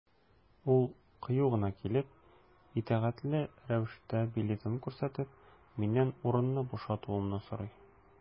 Ул кыю гына килеп, итәгатьле рәвештә билетын күрсәтеп, миннән урынны бушатуымны сорый.